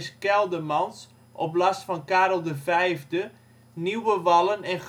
Keldermans op last van Karel de Vijfde nieuwe wallen en